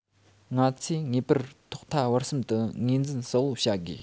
ང ཚོས ངེས པར ཐོག མཐའ བར གསུམ དུ ངོས འཛིན གསལ པོ བྱ དགོས